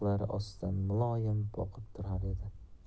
muloyim boqib turar edi